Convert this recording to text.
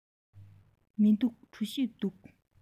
མི འདུག གྲོ ཞིབ འདུག